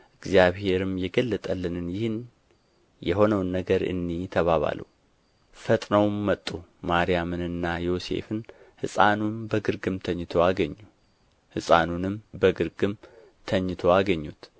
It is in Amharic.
እግዚአብሔርም የገለጠልንን ይህን የሆነውን ነገር እንይ ተባባሉ ፈጥነውም መጡ ማርያምንና ዮሴፍን ሕፃኑንም በግርግም ተኝቶ አገኙ